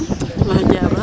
maxey jaaɓang